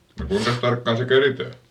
kuinkas tarkkaan se keritään